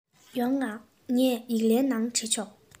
ཡོང ང ངས ཡིག ལན ནང བྲིས ཆོག